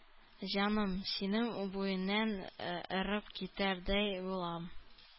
Җаным, синең үбүеңнән эреп китәрдәй булам.